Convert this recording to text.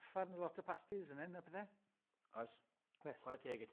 uffarn lot o pastis fan 'yn a pethe. Oes. Wes. chware teg i ti...